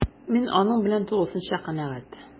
Мин аның белән тулысынча канәгать: